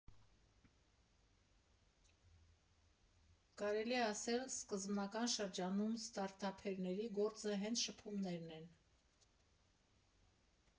Կարելի է ասել՝ սկզբնական շրջանում ստարտափերների գործը հենց շփումներն են։